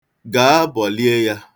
Gaa, bọlie ya.